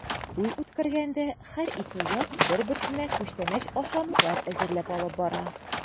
Туй үткәргәндә һәр ике як бер-берсенә күчтәнәч-ашамлыклар әзерләп алып бара.